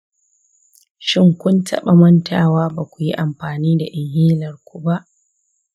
shin kun taba mantawa bakuyi amfani da inhaler ku ba?